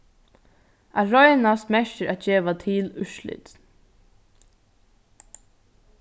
at roynast merkir at geva til úrslit